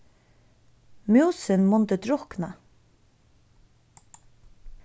músin mundi druknað